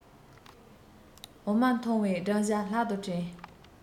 འོ མ འཐུང བའི བགྲང བྱ ལྷག ཏུ དྲན